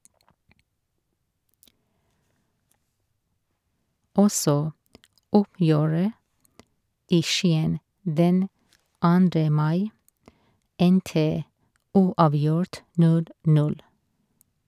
Også oppgjøret i Skien den 2. mai endte uavgjort, 0- 0.